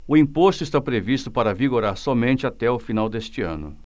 o imposto está previsto para vigorar somente até o final deste ano